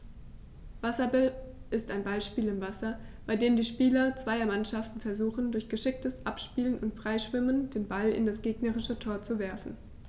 Wasserball ist ein Ballspiel im Wasser, bei dem die Spieler zweier Mannschaften versuchen, durch geschicktes Abspielen und Freischwimmen den Ball in das gegnerische Tor zu werfen.